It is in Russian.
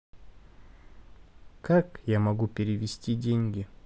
как я могу перевести деньги